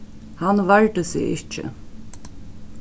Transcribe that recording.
hann vardi seg ikki